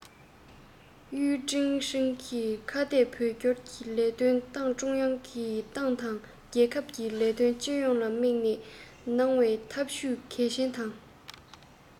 ཡུས ཀྲེང ཧྲེང གིས ཁ གཏད བོད སྐྱོར གྱི ལས དོན ནི ཏང ཀྲུང དབྱང གིས ཏང དང རྒྱལ ཁབ ཀྱི ལས དོན སྤྱི ཡོངས ལ དམིགས ནས གནང བའི འཐབ ཇུས གལ ཆེན དང